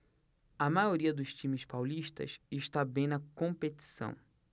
a maioria dos times paulistas está bem na competição